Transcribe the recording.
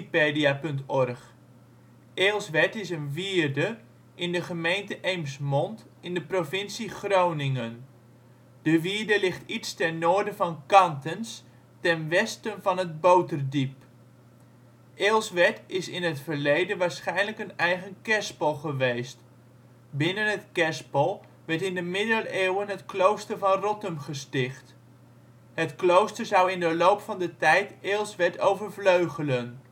22′ NB, 6° 38′ OL De wierde van Eelswerd Eelswerd is een wierde in de gemeente Eemsmond in de provincie Groningen. De wierde ligt iets ten noorden van Kantens, ten westen van het Boterdiep. Eelswerd is in het verleden waarschijnlijk een eigen kerspel geweest. Binnen het kerspel werd in de middeleeuwen het klooster van Rottum gesticht. Het klooster zou in de loop van de tijd Eelswerd overvleugelen